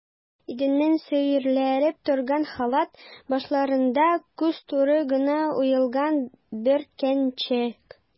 Идәннән сөйрәлеп торган халат, башларында күз туры гына уелган бөркәнчек.